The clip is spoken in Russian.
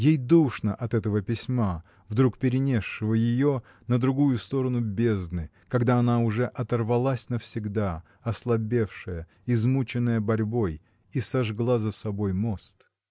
Ей душно от этого письма, вдруг перенесшего ее на другую сторону бездны, когда она уже оторвалась навсегда, ослабевшая, измученная борьбой, — и сожгла за собой мост.